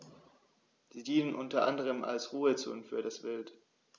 Sie dienen unter anderem als Ruhezonen für das Wild.